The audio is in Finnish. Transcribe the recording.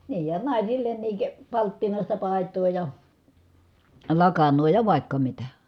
niin ja naisillekin palttinaista paitaa ja lakanaa ja vaikka mitä